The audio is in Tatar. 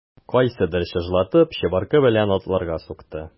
Кайсыдыр чыжлатып чыбыркы белән атларга сукты.